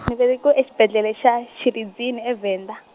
ndzi velekiwe e xibedlele xa Xivindzini e- Venda.